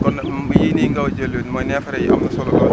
kon nag yii nii nga jël mooy neefere yi am na solo lool